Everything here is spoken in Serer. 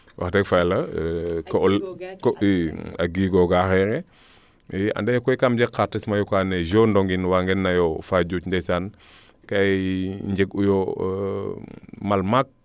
wax deg fa yala ko a gigoga xeene ande koy kam jeg xarites mayu ka Zoe Ndong iin waa ngen nayo Fadiouthe ndeysaan ka i njeg uyo mal maak